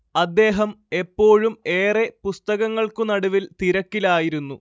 അദ്ദേഹം എപ്പോഴും ഏറെ പുസ്തകങ്ങൾക്കുനടുവിൽ തിരക്കിലായിരുന്നു